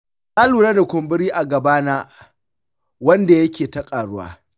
na lura da kumburi a gabana wanda yake ta ƙaruwa.